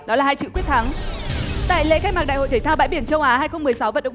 đó là hai chữ quyết thắng tại lễ khai mạc đại hội thể thao bãi biển châu á hai không mười sáu vận động